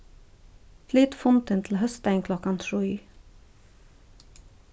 flyt fundin til hósdagin klokkan trý